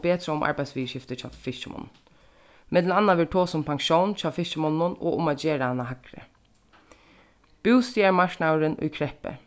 betra um arbeiðsviðurskifti hjá fiskimonnum millum annað verður tosað um pensjón hjá fiskimonnunum og um at gera hana hægri bústaðarmarknaðurin í kreppu